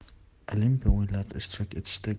olimpiya o'yinlarida ishtirok etishdek